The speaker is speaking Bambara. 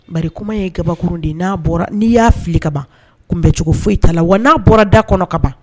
Bari kuma ye kabakuru de ye n'a bɔra n'i y'a fili ka ban kun bɛcogo foyi ta la wa n'a bɔra da kɔnɔ ka ban